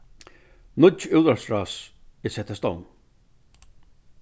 nýggj útvarpsrás er sett á stovn